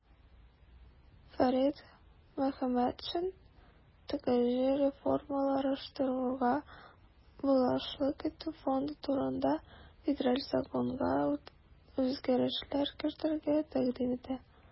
Фәрит Мөхәммәтшин "ТКҖ реформалаштыруга булышлык итү фонды турында" Федераль законга үзгәрешләр кертергә тәкъдим итә.